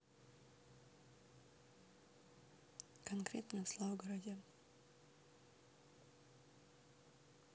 конкретно в славгороде